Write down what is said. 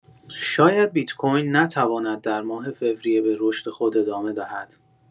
شاید بیت کوین نتواند در ماه فوریه به رشد خود ادامه دهد.